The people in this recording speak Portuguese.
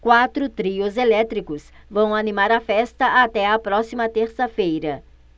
quatro trios elétricos vão animar a festa até a próxima terça-feira